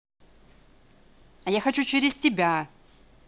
а я хочу через тебя